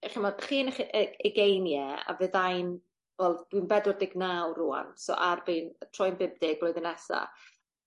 'dych chi'mod chi yn 'ych y- y- ugeinie a fyddai'n wel dwi'n bedwar deg naw rŵan so ar bin troi'n bump deg blwyddyn nesa.